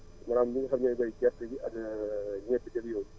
maanaam ñi nga xam ñooy béy gerte gi ak énebe jeeg yooyu